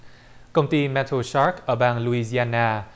công ty me thồ sác ở bang lu i gi a na